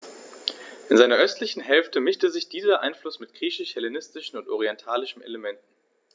In seiner östlichen Hälfte mischte sich dieser Einfluss mit griechisch-hellenistischen und orientalischen Elementen.